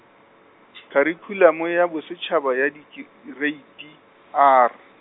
Kharikhulamo ya Bosetšhaba ya Dikereiti, R.